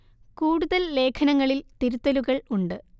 കൂടുതൽ ലേഖനങ്ങളിൽ തിരുത്തലുകൾ ഉണ്ട്